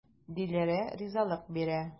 Диләрә ризалык бирә.